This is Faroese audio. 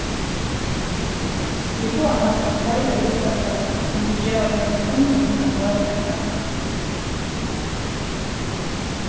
vit fáa kanska fleiri listafólk um vit geva teimum ungu hendan møguleikan